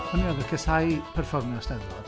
O'n i arfer casàu perfformio 'Steddfod.